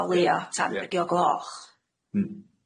Oleia tdan tri o' gloch.